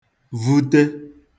vute